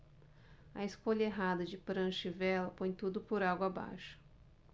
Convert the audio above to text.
a escolha errada de prancha e vela põe tudo por água abaixo